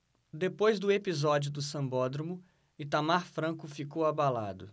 depois do episódio do sambódromo itamar franco ficou abalado